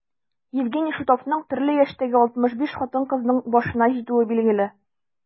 Евгений Шутовның төрле яшьтәге 65 хатын-кызның башына җитүе билгеле.